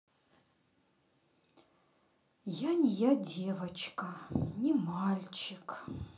я не я девочка не мальчик